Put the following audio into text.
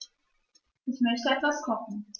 Ich möchte etwas kochen.